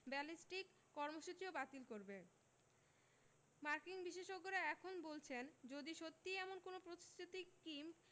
ballistic কর্মসূচিও বাতিল করবে মার্কিন বিশেষজ্ঞরা এখন বলছেন যদি সত্যি এমন কোনো প্রতিশ্রুতি কিম